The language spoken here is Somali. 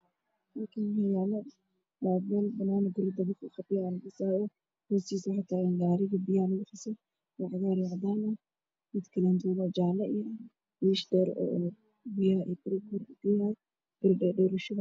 Waa gaari waxa uu qaadayaa biyo fosto ayaa saaran oo cadaan ah waxaa ka dambeeyay jaalo